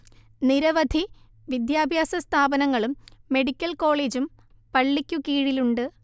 നിരവധി വിദ്യാഭ്യാസ സ്ഥാപനങ്ങളും മെഡിക്കൽ കോളേജും പള്ളിക്ക് കീഴിലുണ്ട്